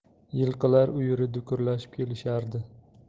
yilqilar uyuri dukurlashib kelishardi